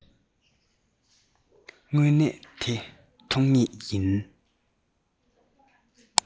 དངོས གནས དེ མཐོང ངེས ཡིན